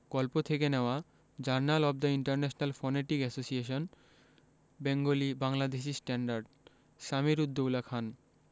গল্প থেকে নেওয়া Journal of the International Phonetic Association Bengali Bangladeshi standard Samir ud Daula Khan